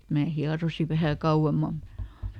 minä hieroin vähän kauemmin mutta